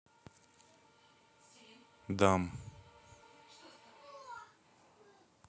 дам